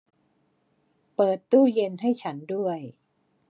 เปิดตู้เย็นให้ฉันด้วย